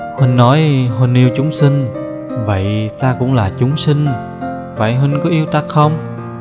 huynh nói huynh yêu chúng sinh vậy ta cũng là chúng sinh vậy huynh có yêu tao không